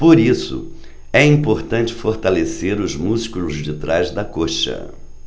por isso é importante fortalecer os músculos de trás da coxa